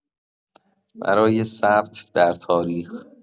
برای ثبت در تاریخ